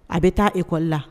A be taa école la.